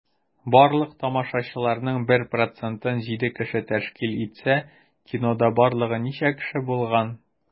Барлык тамашачыларның 1 процентын 7 кеше тәшкил итсә, кинода барлыгы ничә кеше булган?